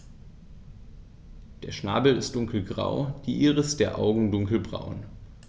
Der Schnabel ist dunkelgrau, die Iris der Augen dunkelbraun.